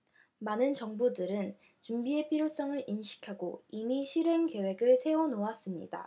많은 정부들은 준비의 필요성을 인식하고 이미 실행 계획을 세워 놓았습니다